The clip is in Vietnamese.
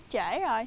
trễ ròi